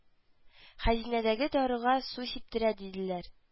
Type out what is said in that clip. Хәзинәдәге дарыга су сиптерә диделәр